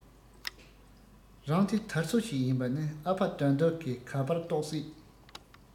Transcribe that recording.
རང དེ དར སོ ཞིག ཡིན པ ནི ཨ ཕ དགྲ འདུལ གི ག པར རྟོག སྲིད